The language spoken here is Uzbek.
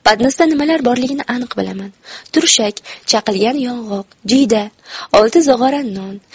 patnisda nimalar borligini aniq bilaman turshak chaqilgan yong'oq jiyda oltita zog'ora non